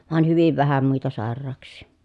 vain hyvin vähän muita sairauksia